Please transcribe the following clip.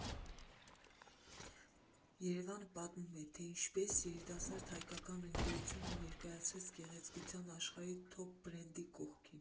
ԵՐԵՎԱՆ֊ը պատմում է, թե ինչպես երիտասարդ հայկական ընկերությունը ներկայացվեց գեղեցկության աշխարհի թոփ֊բրենդերի կողքին։